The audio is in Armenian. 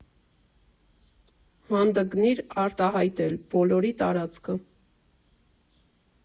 Հանդգնիր արտահայտել Բոլորի տարածքը։